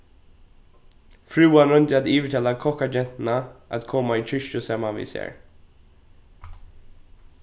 frúan royndi at yvirtala kokkagentuna at koma í kirkju saman við sær